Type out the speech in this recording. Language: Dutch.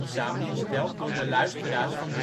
samengesteld door de luisteraars van